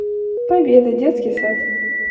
победа детский сад